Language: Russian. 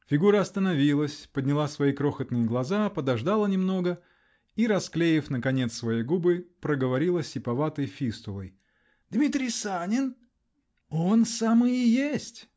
Фигура остановилась, подняла свои крохотные глаза, подождала немного -- и, расклеив, наконец, свои губы, проговорила сиповатой фистулой: -- Дмитрий Санин? -- Он самый и есть!